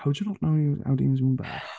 How do you not know how to use Uber?